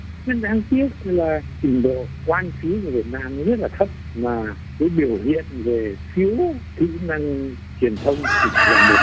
nhưng đáng tiếc là trình độ quan trí của việt nam rất là thấp mà cái biểu hiện về thiếu kỹ năng truyền thông chỉ là một